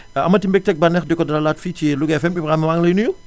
amati mbégte ak bànneex di ko dalalaat fii ci Louga FM Ibrahima maa ngi lay nuyu